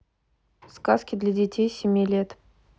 сказки для детей семи лет